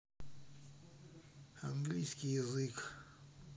английский язык